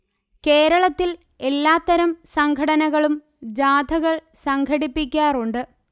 കേരളത്തിൽ എല്ലാ തരം സംഘടനകളും ജാഥകൾ സംഘടിപ്പിക്കാറുണ്ട്